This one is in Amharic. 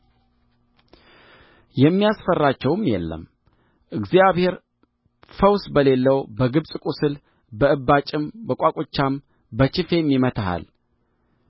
የሚያስፈራቸውም የለም እግዚአብሔር ፈውስ በሌለው በግብፅ ቍስል በእባጭም በቋቁቻም በችፌም ይመታሃል